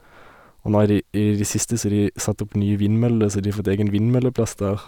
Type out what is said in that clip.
Og nå i de i det siste så har de satt opp nye vindmøller, så de har fått egen vindmølleplass der.